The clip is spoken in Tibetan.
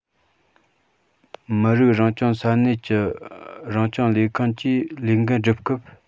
མི རིགས རང སྐྱོང ས གནས ཀྱི རང སྐྱོང ལས ཁུངས ཀྱིས ལས འགན སྒྲུབ སྐབས